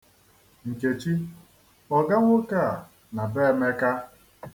Nkechi, kpọga nwoke a na be Emeka.